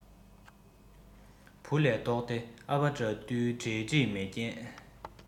བུ ལས ལྡོག སྟེ ཨ ཕ དགྲ འདུལ ག བྲེལ འདྲིས མེད རྐྱེན